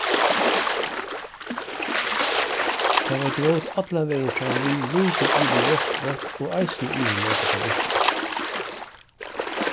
tað var grót allan vegin framvið líka yvir í vágsbotn og eisini yvir móti fabrikkini